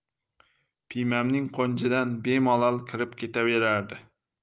piymamning qo'njidan bemalol kirib ketaveradi